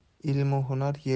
ilm u hunar